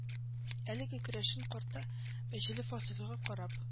Әлеге керәшен карты бәчеле фасылга карап